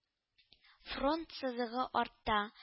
Фронт сызыгы артта